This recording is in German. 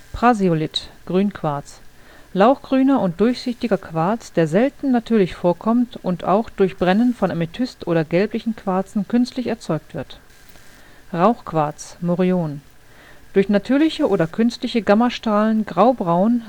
Prasiolith (Grünquarz): lauchgrüner und durchsichtiger Quarz, der selten natürlich vorkommt und auch durch Brennen von Amethyst oder gelblichen Quarzen künstlich erzeugt wird Rauchquarz (Morion): durch natürliche oder künstliche Gammastrahlen graubraun